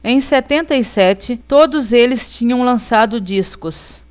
em setenta e sete todos eles tinham lançado discos